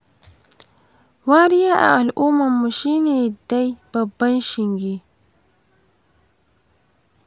wariya a al'umman mu shine dai babban shinge.